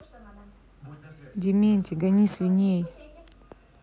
дементий гони свиней